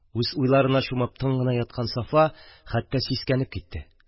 Үз уйларына чумып тын гына яткан Сафа хәттә сискәнеп китте.